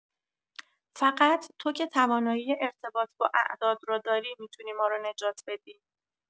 فقط تو که توانایی ارتباط با اعداد راداری، می‌تونی ما رو نجات بدی!